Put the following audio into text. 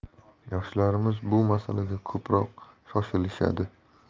yoshlarimiz bu masalada ko'proq shoshilishadi